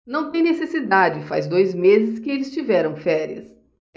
não tem necessidade faz dois meses que eles tiveram férias